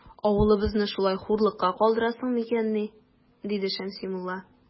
Авылыбызны шулай хурлыкка калдыртасың микәнни? - диде Шәмси мулла.